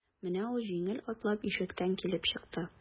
Менә ул җиңел атлап ишектән килеп чыкты.